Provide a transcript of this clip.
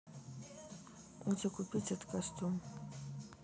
где купить этот костюм